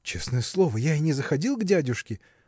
– Честное слово, я и не заходил к дядюшке.